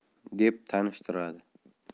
deb tanishtiradi